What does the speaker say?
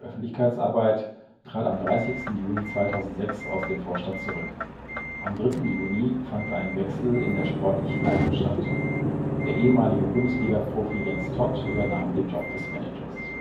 Öffentlichkeitsarbeit) trat am 30. Juni 2006 aus dem Vorstand zurück. Am 3. Juni fand ein Wechsel in der sportlichen Leitung statt. Der ehemalige Bundesliga-Profi Jens Todt übernahm den Job des Managers